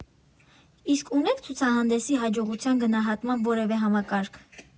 Իսկ ունե՞ք ցուցահանդեսի հաջողության գնահատման որևէ համակարգ։